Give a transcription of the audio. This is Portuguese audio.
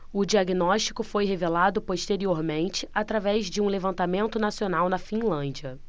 o diagnóstico foi revelado posteriormente através de um levantamento nacional na finlândia